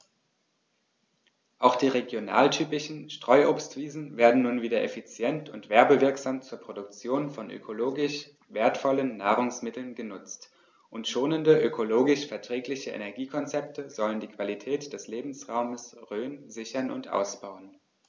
Auch die regionaltypischen Streuobstwiesen werden nun wieder effizient und werbewirksam zur Produktion von ökologisch wertvollen Nahrungsmitteln genutzt, und schonende, ökologisch verträgliche Energiekonzepte sollen die Qualität des Lebensraumes Rhön sichern und ausbauen.